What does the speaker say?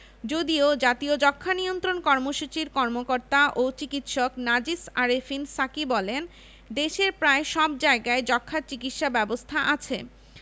যদিও জাতীয় যক্ষ্মা নিয়ন্ত্রণ কর্মসূচির কর্মকর্তা ও চিকিৎসক নাজিস আরেফিন সাকী বলেন দেশের প্রায় সব জায়গায় যক্ষ্মার চিকিৎসা ব্যবস্থা আছে